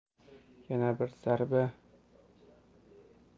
yana bir zarba